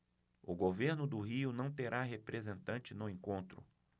o governo do rio não terá representante no encontro